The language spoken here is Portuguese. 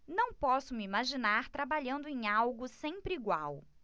não posso me imaginar trabalhando em algo sempre igual